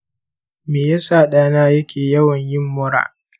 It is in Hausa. me yasa ɗana yake yawan yin maruru?